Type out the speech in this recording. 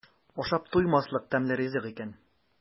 Ашап туймаслык тәмле ризык икән.